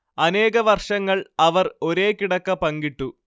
അനേക വർഷങ്ങൾ അവർ ഒരേ കിടക്ക പങ്കിട്ടു